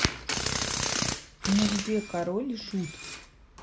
ну где король и шут